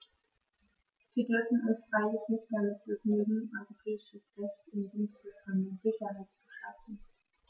Wir dürfen uns freilich nicht damit begnügen, europäisches Recht im Dienste von mehr Sicherheit zu schaffen.